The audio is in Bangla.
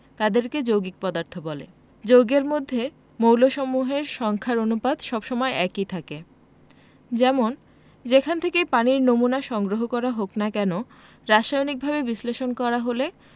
তাদেরকে যৌগিক পদার্থ বলে যৌগের মধ্যে মৌলসমূহের সংখ্যার অনুপাত সব সময় একই থাকে যেমন যেখান থেকেই পানির নমুনা সংগ্রহ করা হোক না কেন রাসায়নিকভাবে বিশ্লেষণ করা হলে